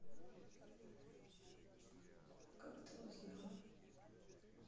а как ты узнала